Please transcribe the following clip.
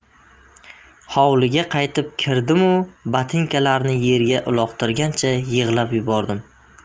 hovliga qaytib kirdimu botinkalarni yerga uloqtirgancha yig'lab yubordim